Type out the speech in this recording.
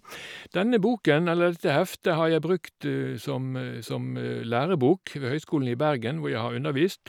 denne boken eller Dette heftet har jeg brukt som som lærebok ved Høgskolen i Bergen, hvor jeg har undervist.